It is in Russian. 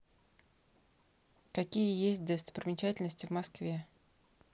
какие есть достопримечательности в москве